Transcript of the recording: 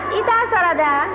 i t'a sarada